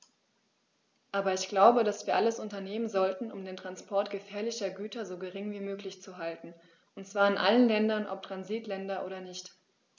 Aber ich glaube, dass wir alles unternehmen sollten, um den Transport gefährlicher Güter so gering wie möglich zu halten, und zwar in allen Ländern, ob Transitländer oder nicht.